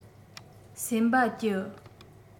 སེམས པ སྐྱིད